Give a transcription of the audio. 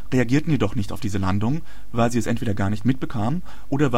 reagierten jedoch nicht auf diese Landungen, weil sie es entweder gar nicht mitbekamen oder